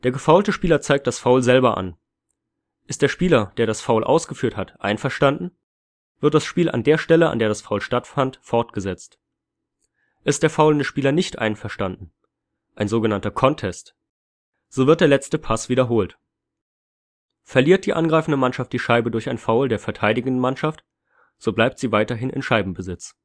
gefoulte Spieler zeigt das Foul selber an. Ist der Spieler, der das Foul ausgeführt hat, einverstanden, wird das Spiel an der Stelle, an der das Foul stattfand, fortgesetzt. Ist der foulende Spieler nicht einverstanden (ein so genannter Contest), so wird der letzte Pass wiederholt. Verliert die angreifende Mannschaft die Scheibe durch ein Foul der verteidigenden Mannschaft, so bleibt sie weiterhin in Scheibenbesitz